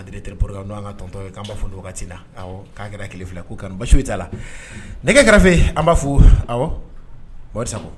an ka Directeur de programme n’o y’an ka tonton k’an b'a fo ni wagati in na, awɔ k’a kɛra tile fila ye ko kɔni baasi fosi t’a la, nɛgɛ kɛrɛfee an b'a fo, awɔ, Mohamed Sakɔ